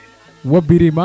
wo Birima